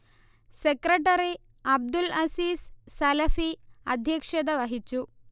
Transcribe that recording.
secretary Abdul Aziz Salafi അധ്യക്ഷത വഹിച്ചു